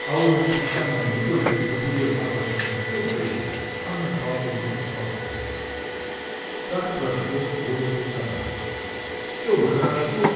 а он от писанья не только не похудел а растолстел больше Анна Павловна успокоилась. Так прошло года полтора. Все бы хорошо